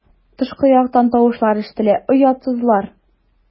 Тышкы яктан тавышлар ишетелә: "Оятсызлар!"